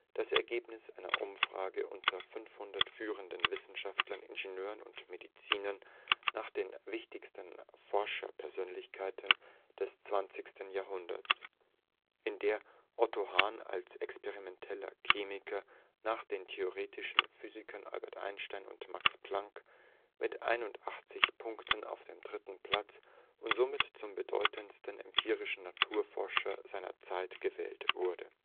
das Ergebnis einer Umfrage unter 500 führenden Naturwissenschaftlern, Ingenieuren und Medizinern nach den wichtigsten Forscherpersönlichkeiten des 20. Jahrhunderts, in der Otto Hahn als experimenteller Chemiker – nach den theoretischen Physikern Albert Einstein und Max Planck – mit 81 Punkten auf den dritten Platz und somit zum bedeutendsten empirischen Naturforscher seiner Zeit gewählt wurde